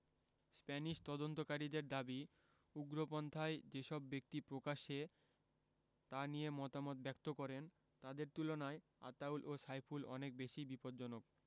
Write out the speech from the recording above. Spanish তদন্তকারীদের দাবি উগ্রপন্থায় যেসব ব্যক্তি প্রকাশ্যে তা নিয়ে মতামত ব্যক্ত করেন তাদের তুলনায় আতাউল ও সাইফুল অনেক বেশি বিপজ্জনক